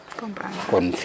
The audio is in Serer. comprendre am.